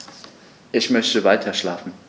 Ich möchte weiterschlafen.